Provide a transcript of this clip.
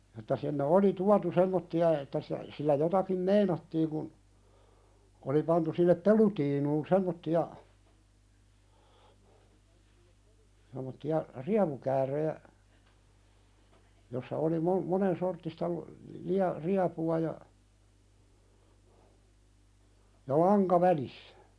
että sinne oli tuotu semmoisia että - sillä jotakin meinattiin kun oli pantu sinne pelutiinuun semmoisia semmoisia riepukääröjä jossa oli - monensorttista -- riepua ja ja lanka välissä